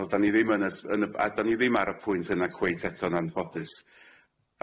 A fel 'dan ni ddim yn y s- yn y b- a 'dan ni ddim ar y pwynt yna cweit eto'n anffodus.